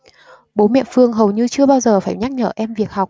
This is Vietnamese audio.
bố mẹ phương hầu như chưa bao giờ phải nhắc nhở em việc học